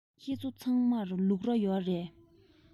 ཁྱེད ཚོ ཚང མར ལུག ཡོད རེད